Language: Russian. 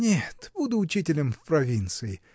нет, буду учителем в провинции!